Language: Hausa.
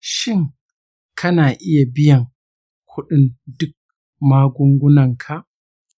shin kana iya biyan kuɗin duk magungunanka?